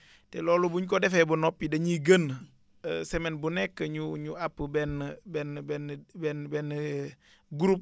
te loolu buñ ko defee ba noppi dañuy génn semaine bu nekk ñu ñu app benn benn benn benn benn groupe